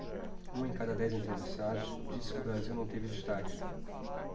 um em cada dez entrevistados disse que o brasil não teve destaques